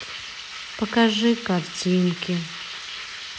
покажи картинки